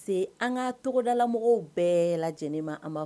Que an ka tɔgɔdala mɔgɔw bɛɛ la lajɛlen ma an